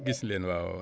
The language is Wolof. gis leen waawaaw